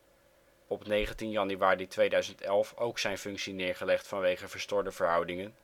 Op 19 januari 2011 ook zijn functie neergelegd vanwege verstoorde verhoudingen